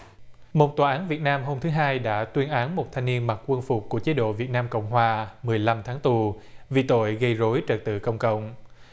một tòa án việt nam hôm thứ hai đã tuyên án một thanh niên mặc quân phục của chế độ việt nam cộng hòa mười lăm tháng tù vì tội gây rối trật tự công cộng